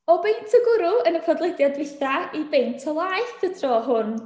O beint o gwrw yn y podlediad dwytha i beint o laeth y tro hwn.